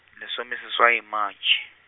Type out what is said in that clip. lesomeseswai Matšhe.